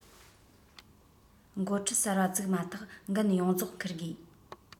འགོ ཁྲིད གསར པ བཙུགས མ ཐག འགན ཡོངས རྫོགས འཁུར དགོས